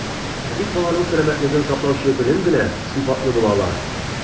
Ә бит баланың сәламәтлеген саклаучы белем генә сыйфатлы була ала.